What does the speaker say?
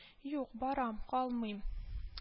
— юк, барам. калмыйм